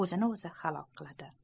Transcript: o'zini o'zi halok qiladi